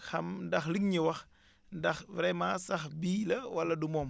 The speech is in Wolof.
xam ndax li nga ñu wax ndax vraiment sax bii la wala du moom